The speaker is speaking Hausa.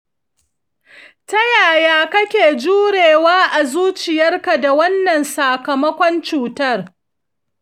ta yaya kake jurewa a zuciyarka da wannan sakamakon cutar?